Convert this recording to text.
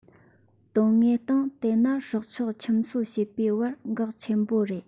དོན དངོས སྟེང དེ ནི སྲོག ཆགས ཁྱིམ གསོ བྱེད པའི བར གེགས ཆེན པོ རེད